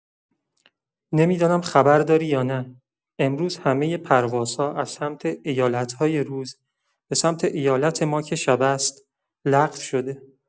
نمی‌دانم خبرداری یا نه، امروز همه پروازها از سمت ایالت‌های روز به‌سمت ایالت ما که شب است، لغو شده.